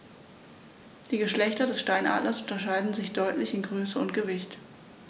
Die Geschlechter des Steinadlers unterscheiden sich deutlich in Größe und Gewicht.